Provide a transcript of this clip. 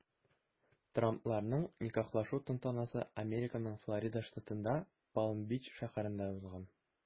Трампларның никахлашу тантанасы Американың Флорида штатында Палм-Бич шәһәрендә узган.